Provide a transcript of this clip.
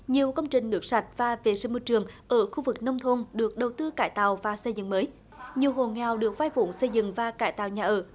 nhiều công trình nước sạch và vệ sinh môi trường ở khu vực nông thôn được đầu tư cải tạo và xây dựng mới nhiều hộ nghèo được vay vốn xây dựng và cải tạo nhà ở